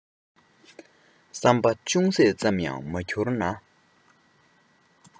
བསམ པ ཅུང ཟད ཙམ ཡང མ འགྱུར ན